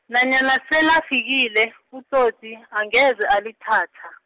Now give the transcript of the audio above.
nanyana selafikile, utsotsi angeze alithatha.